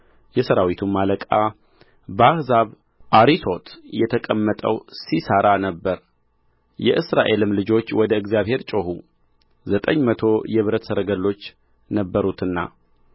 የሠራዊቱም አለቃ በአሕዛብ አሪሶት የተቀመጠው ሲሣራ ነበረ የእስራኤልም ልጆች ወደ እግዚአብሔር ጮኹ ዘጠኝ መቶ የብረት ሰረገሎች ነበሩትና